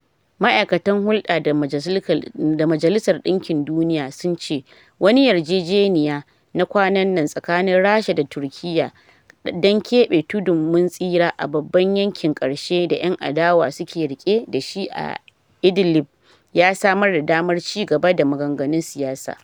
ma’aikatan hulɗa na Majalisar Dinkin Duniya sun ce wani yarjejeniya na kwanan nan tsakanin Rasha da Turkiya dan kebe tudun mun tsira a babban yankin karshe da ‘yan adawa suke rike da shi a Idlib ya samar da daman ci gaba da maganganun siyasa.